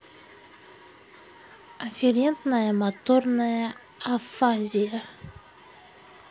афферентная моторная афазия